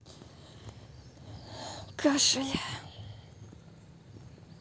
кашель